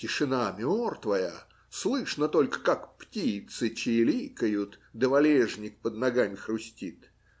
тишина мертвая, слышно только, как птицы чиликают да валежник под ногами хрустит.